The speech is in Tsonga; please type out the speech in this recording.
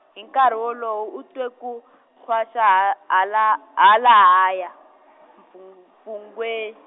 hi nkarhi wolowo u twe ku, khwaxa ha hala halahaya, mpfu- mpfungwe.